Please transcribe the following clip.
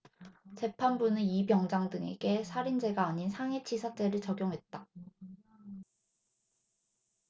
재판부는 이 병장 등에게 살인죄가 아닌 상해치사죄를 적용했다